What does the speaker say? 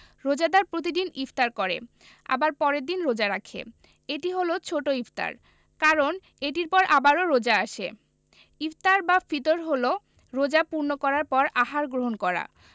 রোজাদার প্রতিদিন ইফতার করে আবার পরের দিন রোজা রাখে এটি হলো ছোট ইফতার কারণ এটির পর আবারও রোজা আসে ইফতার বা ফিতর হলো রোজা পূর্ণ করার পর আহার গ্রহণ করা